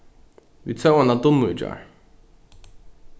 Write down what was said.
vit sóu eina dunnu í gjár